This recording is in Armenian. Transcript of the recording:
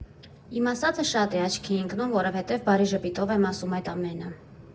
Իմ ասածը շատ է աչքի ընկնում, որովհետև բարի ժպիտով եմ ասում այդ ամենը։